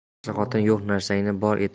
yaxshi xotin yo'q narsangni bor etar